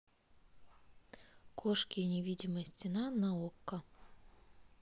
кошки и невидимая стена на окко